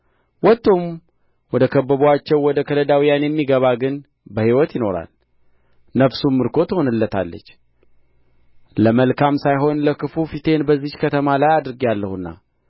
ወጥቶ ወደ ከበቡአችሁ ወደ ከለዳውያን የሚገባ ግን በሕይወት ይኖራል ነፍሱም ምርኮ ትሆንለታለች ለመልካም ሳይሆን ለክፋ ፊቴን በዚህች ከተማ ላይ አድርጌአለሁና